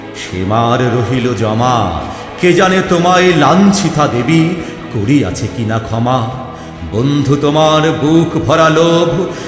সে মার রহিল জমা কে জানে তোমায় লাঞ্ছিতা দেবী করিয়াছে কিনা ক্ষমা বন্ধু তোমার বুকভরা লোভ